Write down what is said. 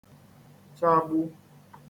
-chagbu